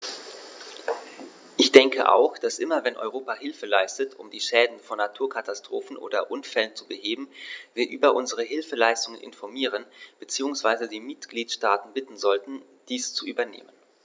Ich denke auch, dass immer wenn Europa Hilfe leistet, um die Schäden von Naturkatastrophen oder Unfällen zu beheben, wir über unsere Hilfsleistungen informieren bzw. die Mitgliedstaaten bitten sollten, dies zu übernehmen.